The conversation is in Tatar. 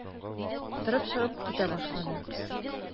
Торып чыгып китә башлады.